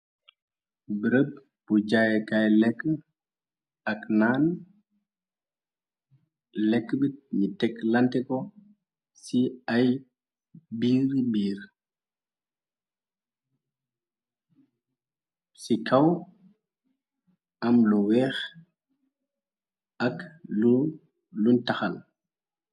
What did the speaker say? Bereb bu jayekay lekke ak naan lekk bit ni tek lante ko ci ay biiri biir ci kaw am lu weex ak luñ taxal.